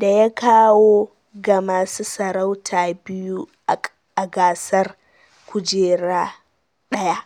da ya kawo ga masu sarauta biyu a gasar kujera ɗaya.